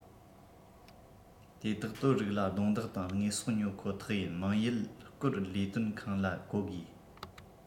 དེ དག དོར རིགས ལ རྡུང རྡེག དང དངོས ཟོག ཉོ ཁོ ཐག ཡིན མང ཡུལ སྐོར ལས དོན ཁང ལ གོ དགོས